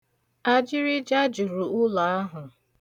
Ajịrịja juru ụlọ ahụ.